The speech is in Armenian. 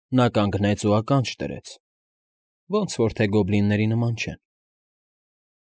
Նա կանգնեց ու ականջ դրեց. ոնց որ թե գոբլինների նման չեն։